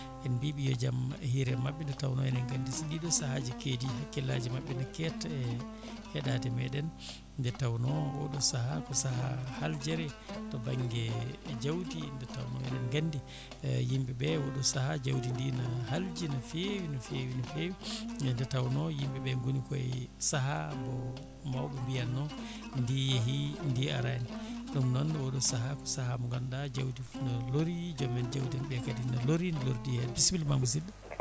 en mbiɓe yi jaal hiire mabɓe nde tawno eɗen gandi so ɗiɗo saahaji keedi hakkillaji mabɓe ne ketta e heeɗade menɗen nde tawno oɗo saaha ko saaha haljere to banggue jawdi nde enen gandi yimɓeɓe oɗo saaha jawdi ndi ne halji no fewi no fewi no fewi e nde tawno yimɓeɓe gooni koye saha mo mawɓe mbiyanno ndi yeehi ndi arani ɗum noon oɗo saaha ko saaha mo ganduɗa jawdi ne loori joom en jawdi en ɓe kadi ne loori ne lordi hen bisimilla ma musidɗo